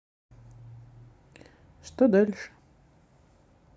что дальше